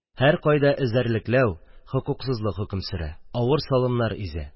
Һәркайда эзәрлекләү, хокуксызлык хөкем сөрә, авыр салымнар изә.